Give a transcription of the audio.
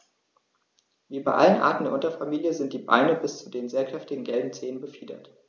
Wie bei allen Arten der Unterfamilie sind die Beine bis zu den sehr kräftigen gelben Zehen befiedert.